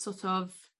so't of